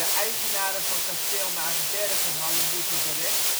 eigenaren van kasteel Maarsbergen hadden dus het recht